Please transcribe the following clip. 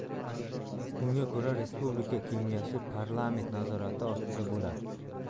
unga ko'ra respublika kengashi parlament nazorati ostida bo'ladi